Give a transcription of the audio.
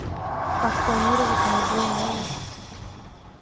а спланировать мой день можешь